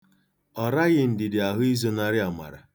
Ọ raghị Ndidi ahụ izonarị Amara.